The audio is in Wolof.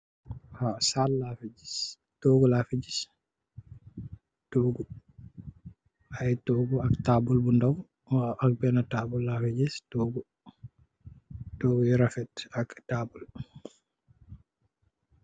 Saal laa fi gis, toogu laa fi gis. Ay toogu ak taabul.